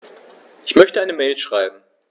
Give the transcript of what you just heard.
Ich möchte eine Mail schreiben.